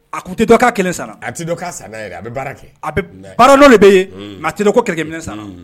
A kun tɛ dɔka kelen a tɛ a bɛ baara kɛ a baara de bɛ yen maa tɛ ko kɛlɛ san